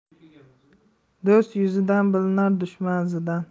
do'st yuzidan bilinar dushman izidan